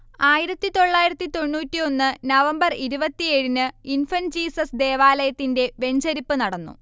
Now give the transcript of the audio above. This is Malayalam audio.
ആയിരത്തി തൊള്ളായിരത്തി തൊണ്ണൂറ്റി ഒന്ന് നവംബർ ഇരുവത്തി ഏഴിന് ഇൻഫന്റ് ജീസസ് ദേവാലയത്തിന്റെ വെഞ്ചരിപ്പ് നടന്നു